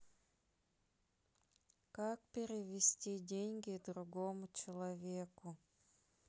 как перевести деньги другому человеку